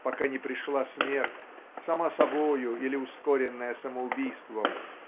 Пока не пришла смерть сама собою или ускоренная самоубийством